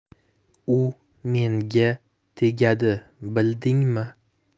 u menga tegadi bildingmi